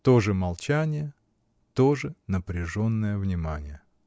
То же молчание, то же напряженное внимание.